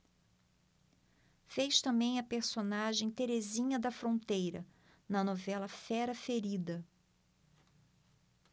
fez também a personagem terezinha da fronteira na novela fera ferida